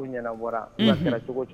Ɲɛna bɔra cogo cogo